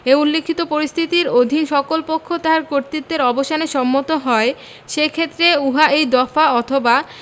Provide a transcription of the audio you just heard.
এ উল্লেখিত পরিস্থিতির অধীন সকল পক্ষ তাহার কর্তৃত্বের অবসানে সম্মত হয় সেইক্ষেত্রে উহা এই দফা অথবা